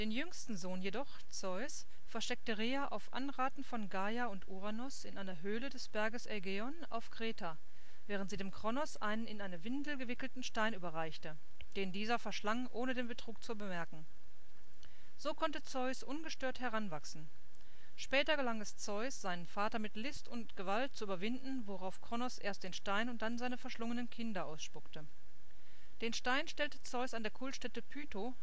jüngsten Sohn jedoch, Zeus, versteckte Rhea auf Anraten von Gaia und Uranos in einer Höhle des Berges Aigaion auf Kreta, während sie dem Kronos einen in eine Windel gewickelten Stein überreichte, den dieser verschlang, ohne den Betrug zu bemerken. So konnte Zeus ungestört heranwachsen. Später gelang es Zeus, seinen Vater mit List und Gewalt zu überwinden, worauf Kronos erst den Stein und dann seine verschlungenen Kinder ausspuckte. Den Stein stellte Zeus an der Kultstätte Pytho